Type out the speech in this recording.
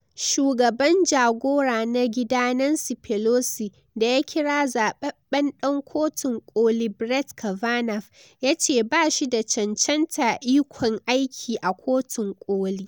Shugaban Jagora na gida Nancy Pelosi da ya kira zababben dan Kotun Koli Brett Kavanaugh, ya ce "ba shi da cancanta ikon yin aiki a Kotun Koli.